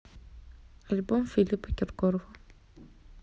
альбом филиппа киркорова